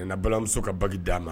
A nana balimamuso ka bague ma